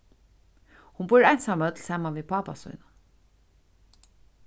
hon býr einsamøll saman við pápa sínum